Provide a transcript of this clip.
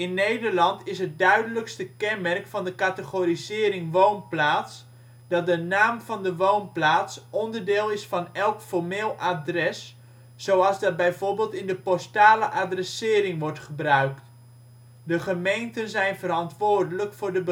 Nederland is het duidelijkste kenmerk van de categorisering " woonplaats " dat de naam van de woonplaats onderdeel is van elk formeel adres, zoals dat bijvoorbeeld in de postale adressering wordt gebruikt. De gemeenten zijn verantwoordelijk voor de